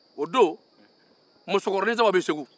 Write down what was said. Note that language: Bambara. o don musokɔrɔnin saba bɛ segu